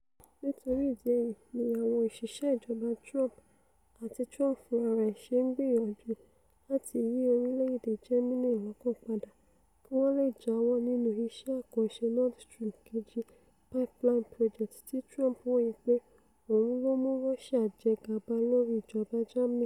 Nítorí ìdí èyí ni àwọn òṣìṣẹ́ Ìjọba Trump àti Trump fúnra rẹ̀ ṣe ń gbìyànjú láti yí orílẹ̀èdè Germany lọ́kàn padà kí wọ́n lè jáwọ́ nínú iṣẹ́ àkànṣè Nord Stream 2 pipeline project tí Trump wòye pé òun ló mú Russia jẹ gàba lórí ìjọba Germany.